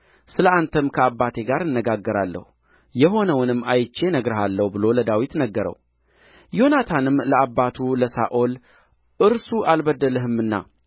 ስለ አንተም ከአባቴ ጋር እነጋገራለሁ የሆነውንም አይቼ እነግርሃለሁ ብሎ ለዳዊት ነገረው ዮናታንም ለአባቱ ለሳኦል እርሱ አልበደለህምና